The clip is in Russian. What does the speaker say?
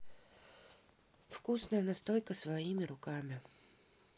вкусная настойка своими руками